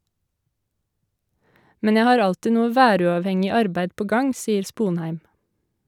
Men jeg har alltid noe væruavhengig arbeid på gang, sier Sponheim.